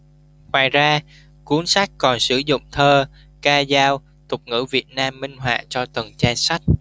ngoài ra cuốn sách còn sử dụng thơ ca dao tục ngữ việt nam minh họa cho từng trang sách